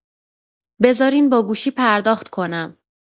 بذارین با گوشی پرداخت کنم.